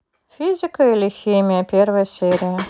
физика или химия первая серия